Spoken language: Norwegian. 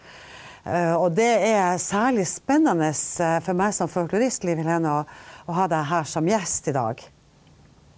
og det er særlig spennende for meg som forklorist Liv Helene, å å ha deg her som gjest i dag.